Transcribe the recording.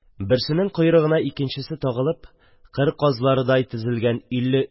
Берсенең койрыгына икенчесе тагылып кыр казларыдай тезелгән илле